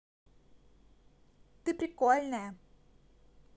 ты прикольная